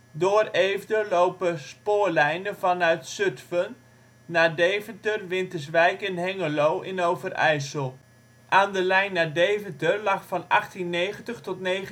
Door Eefde lopen drie spoorlijnen vanuit Zutphen: naar Deventer, Winterswijk en Hengelo (Overijssel). Aan de lijn naar Deventer lag van 1890 tot 1932